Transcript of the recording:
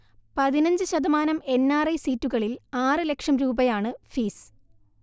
പതിനഞ്ച് ശതമാനം എൻആർഐ സീറ്റുകളിൽ ആറ് ലക്ഷം രൂപയാണ് ഫീസ്